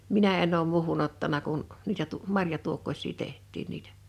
minä en ole muuhun ottanut kun niitä - marjatuokkosia tehtiin niitä